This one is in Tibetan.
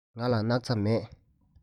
ང ལ སྣག ཚ མེད